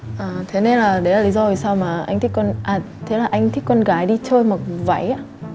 à thế nên là đấy là lý do vì sao mà anh thích con à thế là anh thích con gái đi chơi mặc váy à